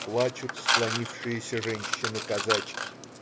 Плачут склонившиеся женщины-казачки.